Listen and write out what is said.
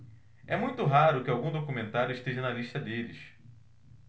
é muito raro que algum documentário esteja na lista deles